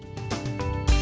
thanh